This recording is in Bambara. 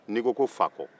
n'i ko ko fakɔ